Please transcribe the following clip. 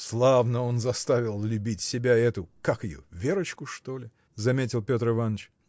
– Славно он заставил любить себя эту. как ее? Верочку, что ли? – заметил Петр Иваныч.